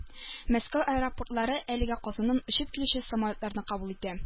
Мәскәү аэропортлары әлегә Казаннан очып килүче самолетларны кабул итә